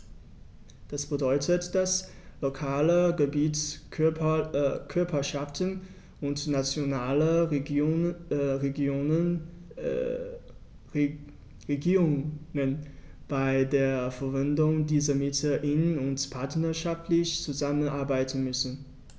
Das bedeutet, dass lokale Gebietskörperschaften und nationale Regierungen bei der Verwendung dieser Mittel eng und partnerschaftlich zusammenarbeiten müssen.